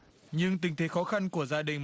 nhưng tình thế khó khăn của gia đình